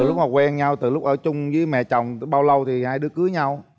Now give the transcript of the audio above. từ lúc mà quen nhau từ lúc ở chung với mẹ chồng được bao lâu thì hai đứa cưới nhau